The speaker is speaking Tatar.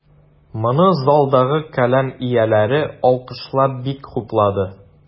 Моны залдагы каләм ияләре, алкышлап, бик хуплады.